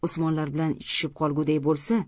usmonlar bilan ichishib qolgudek bo'lsa